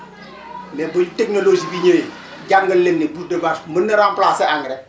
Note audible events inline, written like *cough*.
*crosstalk* léegi bi technologie bi ñëwee jàngal leen ne bouse de vache bi mën na remplacer engrais